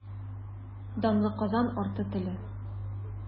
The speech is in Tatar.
Данлы Казан арты теле.